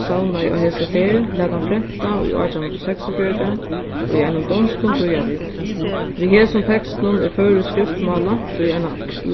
savnaði á hesi ferð læt hann prenta í átjan hundrað og seksogfjøruti í einum donskum tíðarrit við hesum tekstunum er føroyskt skriftmál langt í eina